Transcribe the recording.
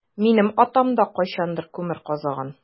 Минем атам да кайчандыр күмер казыган.